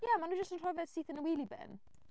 Ie maen nhw jyst yn rhoi fe syth yn y wheelie bin.